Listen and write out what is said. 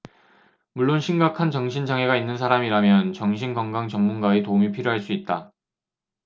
물론 심각한 정신 장애가 있는 사람이라면 정신 건강 전문가의 도움이 필요할 수 있다